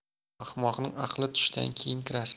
ahmoqning aqli tushdan keyin kirar